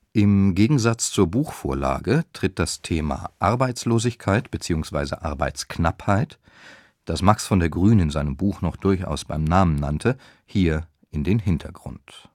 Im Gegensatz zur Buchvorlage tritt das Thema Arbeitslosigkeit bzw. Arbeitsknappheit, das Max von der Grün in seinem Buch noch durchaus beim Namen nannte, hier in den Hintergrund